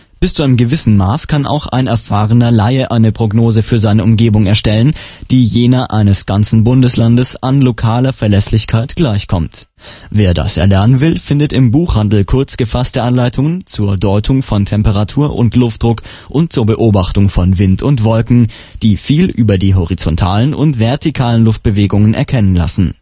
Bis zu gewissen Maß kann auch ein erfahrener Laie eine Prognose für seine Umgebung erstellen, die jener eines ganzen Bundeslandes an lokaler Verlässlichkeit gleichkommt. Wer das erlernen will, findet im Buchhandel kurzgefasste Anleitungen zur Deutung von Temperatur und Luftdruck und zur Beobachtung von Wind und Wolken - die viel über die horizontalen und vertikalen Luftbewegungen erkennen lassen